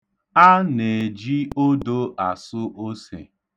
A na-eji odo asụ ose.